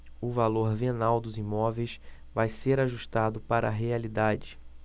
o valor venal dos imóveis vai ser ajustado para a realidade